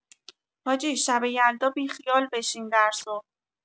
حاجی شب یلدا بیخیال بشین درسو